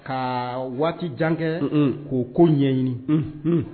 Ka waati jankɛ k'o ko ɲɛɲini